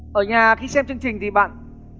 ở nhà khi xem chương trình thì bạn